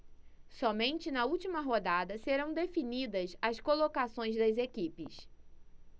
somente na última rodada serão definidas as colocações das equipes